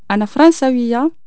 أنا فرانساوية